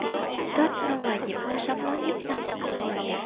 tết luôn là dịp mua sắm lớn nhất năm của người việt